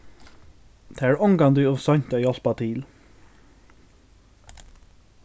tað er ongantíð ov seint at hjálpa til